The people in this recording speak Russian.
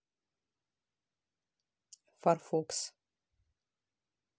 фарфокс